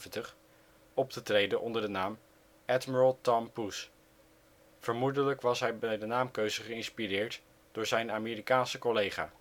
te treden onder de naam Admiraal Tom Pouce. Vermoedelijk was hij bij de naamkeuze geïnspireerd door zijn Amerikaanse collega